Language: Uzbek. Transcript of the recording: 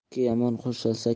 ikki yomon qo'shilsa